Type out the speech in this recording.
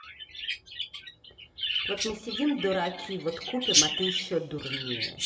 вот мы сидим дураки вот купим а ты еще дурнее